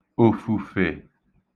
òfùfè